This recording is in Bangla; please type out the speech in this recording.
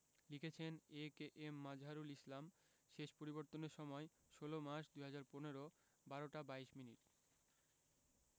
লিখেছেনঃ এ.কে.এম মাযহারুল ইসলাম শেষ পরিবর্তনের সময় ১৬ মার্চ ২০১৫ ১২টা ২২ মিনিট